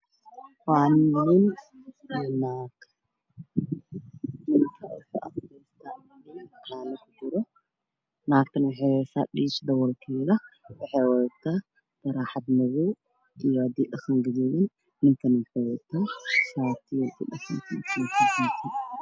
Waxaa ii muuqda nin iyo naag ninka wuxuu cabayey caano wuxuu ku cabaya dhaqan gabadha waxay qabtaan dalkii biyaha dhaqanka